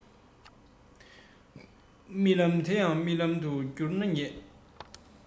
རྨི ལམ དེ ཡང རྨི ལམ དུ འགྱུར ལ ཉེ